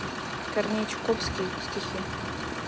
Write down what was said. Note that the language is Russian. корней чуковский стихи